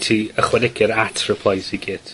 ti ychwanegu'r at replies i gyd.